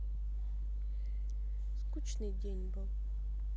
скучный день был